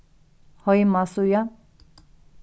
heimasíða